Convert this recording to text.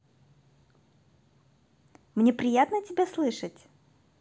мне приятно тебя слышать